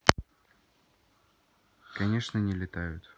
конечно не летают